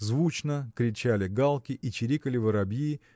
звучно кричали галки и чирикали воробьи